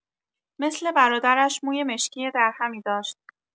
مثل برادرش، موی مشکی درهمی داشت.